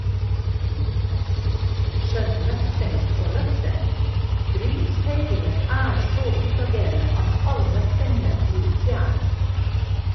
Skjønt nøkternt og nøkternt - bryllupsfeiringen er så utagerende at all nøkternhet blir fjern.